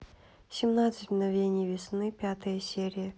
семнадцать мгновений весны пятая серия